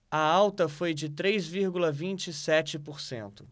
a alta foi de três vírgula vinte e sete por cento